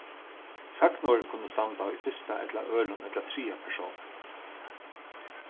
sagnorð kunnu standa í fyrsta ella øðrum ella triðja persóni